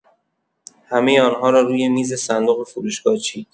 همه آن‌ها را روی میز صندوق فروشگاه چید.